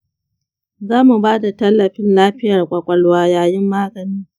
za mu ba da tallafin lafiyar kwakwalwa yayin maganin.